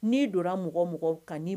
N'i donna mɔgɔ mɔgɔ kan